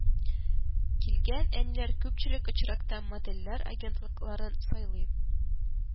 Килгән әниләр күпчелек очракта модельләр агентлыкларын сайлый